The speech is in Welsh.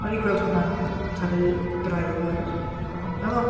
O'n i gweld hwnna'n tarfu braidd ar yr nofel, ond 'na fo.